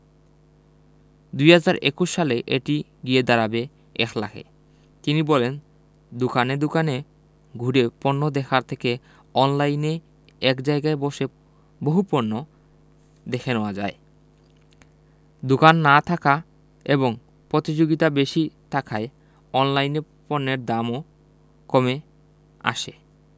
২০২১ সালে এটি গিয়ে দাঁড়াবে ১ লাখে তিনি বলেন দোকানে দোকানে ঘুরে পণ্য দেখার থেকে অনলাইনে এক জায়গায় বসে বহু পণ্য দেখে নেওয়া যায় দোকান না থাকা এবং পতিযোগিতা বেশি থাকায় অনলাইনে পণ্যের দামও কমে আসে